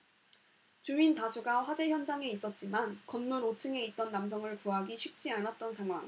주민 다수가 화재 현장에 있었지만 건물 오 층에 있던 남성을 구하기 쉽지 않았던 상황